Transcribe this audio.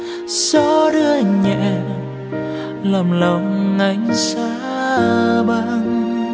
gió đưa nhẹ làm lòng anh giá băng